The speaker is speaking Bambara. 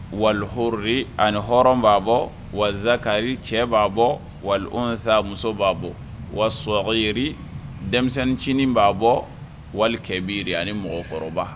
Wali h ani hɔrɔn b'a bɔ walisa ka cɛ b'a bɔ walisa muso b'a bɔ wasoɔgɔyi denmisɛnnincinin b'a bɔ walikɛ biiri ani mɔgɔkɔrɔbaba